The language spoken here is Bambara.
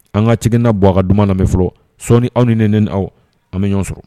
An ka Cɛkɛna Buwa ka duman lamɛn fɔlɔ sɔɔnin aw ni ne, ne ni aw an bɛ ɲɔgɔn sɔrɔ